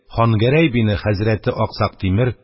Хан Гәрәй бине хәзрәти Аксак Тимер